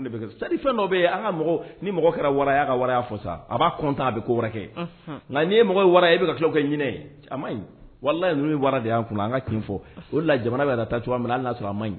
sadiri fɛn dɔw bɛ yi an ka mɔgɔw ni mɔgɔ kɛra wara ye a y'a ka waraya fɔ sa a b'a kontan a bɛ kowɛrɛ kɛ nka nin mɔgɔ ye wara ye i bɛ kila k'o kɛ ɲinɛ ye a man ɲi walayi ninnu ye wara de ye an kuna an ka tiɲɛ fɔ o de la jamana bɛ ka taa cogoya mina hali n'a y'a sɔrɔ a maɲi.